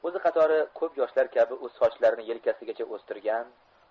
o'zi qatori ko'p yoshlar kabi u sochlarini yelkasigacha o'stirgan